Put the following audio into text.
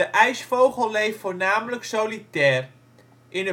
ijsvogel leeft voornamelijk solitair, in